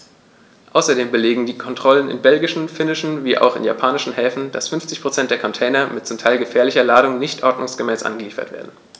Außerdem belegen Kontrollen in belgischen, finnischen wie auch in japanischen Häfen, dass 50 % der Container mit zum Teil gefährlicher Ladung nicht ordnungsgemäß angeliefert werden.